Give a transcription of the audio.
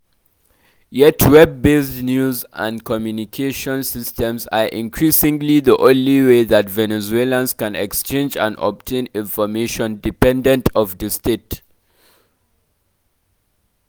Yet web-based news and communication systems are increasingly the only way that Venezuelans can exchange and obtain information independent of the state.